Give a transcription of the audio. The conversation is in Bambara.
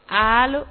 Aa